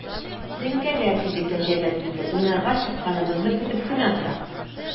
Теңкәгә тиде кәҗә бәтие, уйнарга чыкканыбызны көтеп кенә тора.